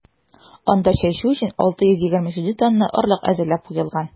Анда чәчү өчен 627 тонна орлык әзерләп куелган.